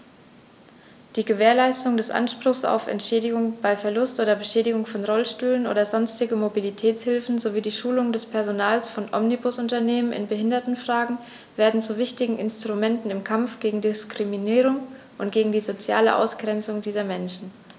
Die Gewährleistung des Anspruchs auf Entschädigung bei Verlust oder Beschädigung von Rollstühlen oder sonstigen Mobilitätshilfen sowie die Schulung des Personals von Omnibusunternehmen in Behindertenfragen werden zu wichtigen Instrumenten im Kampf gegen Diskriminierung und gegen die soziale Ausgrenzung dieser Menschen.